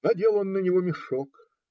Надел он на него мешок.